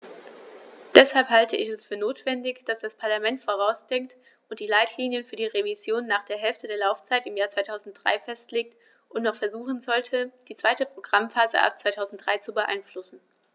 Deshalb halte ich es für notwendig, dass das Parlament vorausdenkt und die Leitlinien für die Revision nach der Hälfte der Laufzeit im Jahr 2003 festlegt und noch versuchen sollte, die zweite Programmphase ab 2003 zu beeinflussen.